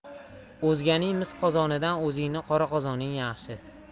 o'zganing mis qozonidan o'zingni qora qozoning yaxshi